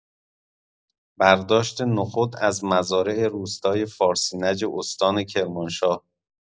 برداشت نخود از مزارع روستای فارسینج استان کرمانشاه